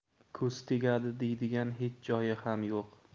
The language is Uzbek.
ko'z tegadi deydigan hech joyi ham yo'q